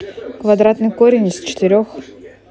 квадратный корень из четырех